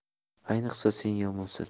ayniqsa sen yomonsan